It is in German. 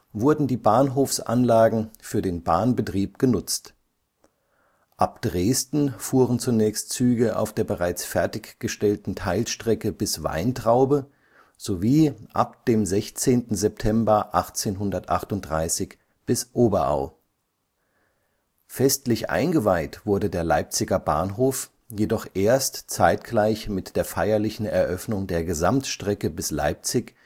wurden die Bahnhofsanlagen für den Bahnbetrieb genutzt. Ab Dresden fuhren zunächst Züge auf der bereits fertiggestellten Teilstrecke bis Weintraube, sowie ab dem 16. September 1838 bis Oberau. Festlich eingeweiht wurde der Leipziger Bahnhof jedoch erst zeitgleich mit der feierlichen Eröffnung der Gesamtstrecke bis Leipzig